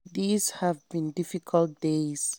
These have been difficult days.